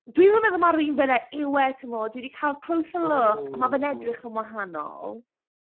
Dwi'm yn meddwl mae'r un villa yw e, timod, dwi 'di cael closer look a mae fe'n edrych yn wahanol.